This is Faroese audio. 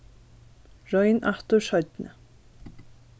royn aftur seinni